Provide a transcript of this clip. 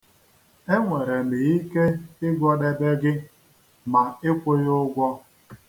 Enwere m ike ịgwọdebe gị ma ị kwụghị ụgwọ.